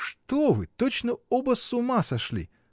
— Что вы, точно оба с ума сошли!